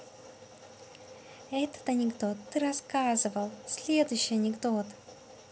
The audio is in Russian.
этот анекдот ты рассказывал следующий анекдот